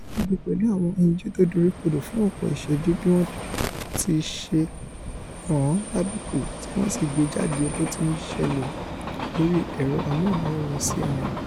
Ó dìde pẹ̀lú àwọn ẹyinjú tó doríkodò fún ọ̀pọ̀ ìṣẹ́jú bí wọ́n tiṣe kàn an lábùkù, tí wọ́n sì gbé e jáde bóti ń ṣẹlẹ̀ lóri ẹ̀rọ amóhùnmáwòrán CNN.